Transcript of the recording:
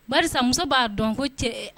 Ba muso b'a dɔn ko cɛ